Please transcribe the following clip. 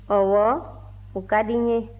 ɔwɔ o ka di n ye